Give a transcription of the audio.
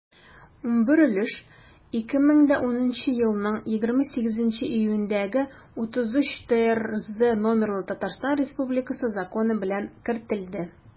11 өлеш 2010 елның 28 июнендәге 33-трз номерлы татарстан республикасы законы белән кертелде.